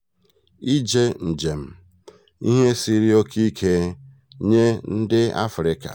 Ije njem: Ihe siri oke ike nye ndị Afrịka